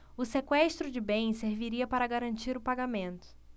o sequestro de bens serviria para garantir o pagamento